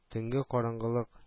Төнге караңгылык